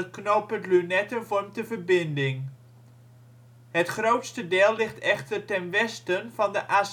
knooppunt Lunetten vormt de verbinding). Het grootste deel ligt echter ten westen van de A27